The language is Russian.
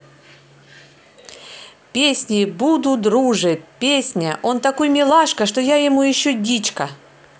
песни буду друже песня он такой милашка что я ему еще дичка